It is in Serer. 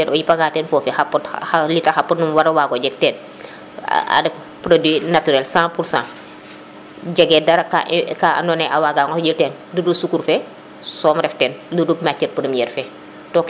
o yipa nga teen fofi xa pot xa litre xa pod num waro jeg teen a ref produit naturel 100 pourcent jege dara ke ando naye a waga ngo xijil teen ludul sukur fe soom ref teen ludul matiere premiere fe